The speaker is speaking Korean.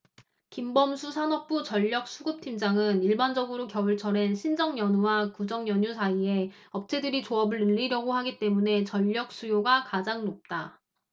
김범수 산업부 전력수급팀장은 일반적으로 겨울철엔 신정연휴와 구정연휴 사이에 업체들이 조업을 늘리려고 하기 때문에 전력수요가 가장 높다